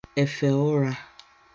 èfè ụrā